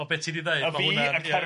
...o be ti 'di ddweud